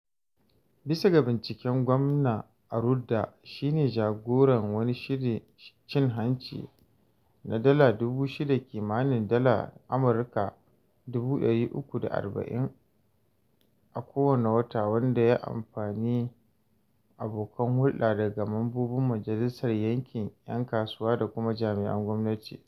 Bisa ga binciken, Gwamna Arruda shi ne jagoran wani shirin cin hanci na R$ 600,000 (kimanin $340,000) a kowane wata, wanda ya amfani abokan hulɗa daga mambobin majalisar yankin, ‘yan kasuwa, da kuma jami’an gwamnati.